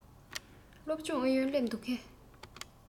སློབ སྦྱོང ཨུ ཡོན སླེབས འདུག གས